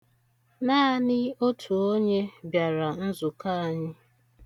Naanị otu onye bịara nzukọ anyị.